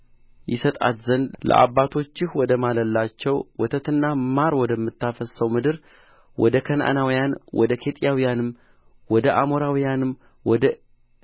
ይሰጣት ዘንድ ለአባቶችህ ወደ ማለላቸው ወተትና ማር ወደምታፈስስ ምድር ወደ ከነዓናውያን ወደ ኬጢያውያንም ወደ አሞራውያንም ወደ